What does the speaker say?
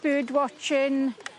bird watching.